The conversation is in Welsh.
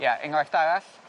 Ie enghraifft arall